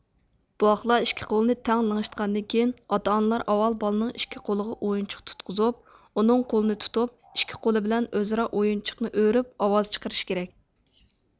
بوۋاقلار ئىككى قۇلىنى تەڭ لىڭشىتقاندىن كېيىن ئاتا ئانىلار ئاۋۋال بالىنىڭ ئىككى قولىغا ئويۇنچۇق تۇتقۇزۇپ ئۇنىڭ قولىنى تۇتۇپ ئىككى قولى بىلەن ئۆزئارا ئويۇنچۇقنى ئۆرۈپ ئاۋاز چىقىرىش كېرەك